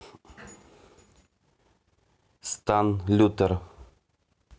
stan лютер